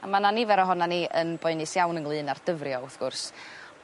A ma' 'na nifer ohonan ni yn boenus iawn ynglŷn â'r dyfrio wrth gwrs.